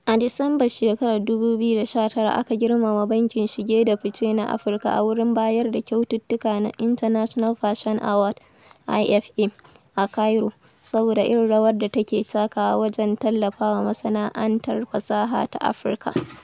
A Disambar shekarar 2019 aka girmama Bankin Shige da Fice na Afirka a wurin bayar da kyaututtuka na 'International Fashion Awards (IFA) ' a Cairo, saboda irin rawar da take takawa wajen tallafa wa Masana'antar Fasaha ta Afirka.